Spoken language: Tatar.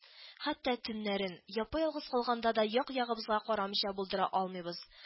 Хәтта төннәрен, япа-ялгыз калганда да як-ягыбызга карамыйча булдыра алмыйбыз